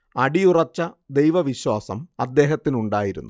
അടിയുറച്ച ദൈവവിശ്വാസം അദ്ദേഹത്തിനുണ്ടായിരുന്നു